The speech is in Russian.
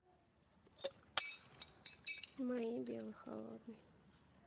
мои белый холодный